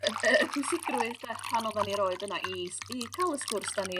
y y y pwysigrwydd dath pan oddan ni roid yna i s i cal y sgwrs 'dan ni